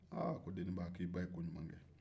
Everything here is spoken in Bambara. aa deniba i ba ye koɲuman kɛ